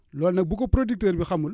loolu nag bu ko producteur bi xamul